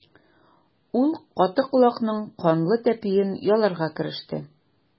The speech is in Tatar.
Ул каты колакның канлы тәпиен яларга кереште.